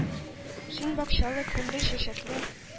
Син бакчалы, күлле, чәчәкле,